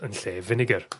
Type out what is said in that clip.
yn lle finegyr.